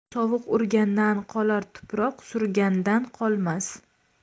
sovuq urgandan qolar tuproq surgandan qolmas